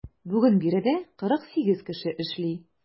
Бүген биредә 48 кеше эшли.